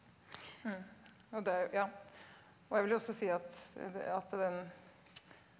og det er jo ja og jeg vil jo også si at det at den.